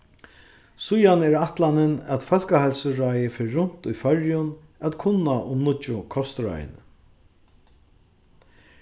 síðan er ætlanin at fólkaheilsuráðið fer runt í føroyum at kunna um nýggju kostráðini